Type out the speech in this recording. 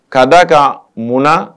Ka d'a kan mun na?